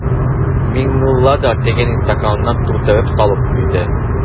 Миңнулла да тегенең стаканына тутырып салып куйды.